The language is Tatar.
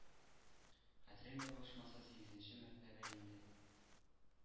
Хәтерем ялгышмаса, сигезенче мәртәбә инде,